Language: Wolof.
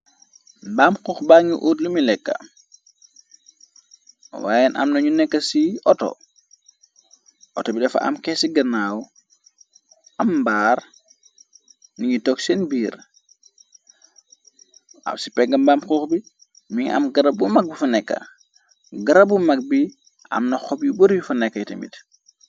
mbaam xuux bà ngi uut lumi lekka waayeen amnañu nekk ci auto auto bi dafa am kee ci gannaaw am mbaar ningi tog seen biir aw ci pegg mbaam xuux bi mingi am garab bu mag bu fa nekka garabbu mag bi amna xob yu bar yu fa nekkate mit